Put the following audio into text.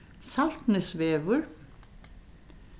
saltnesvegur